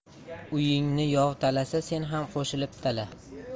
uyingni yov talasa sen ham qo'shilib tala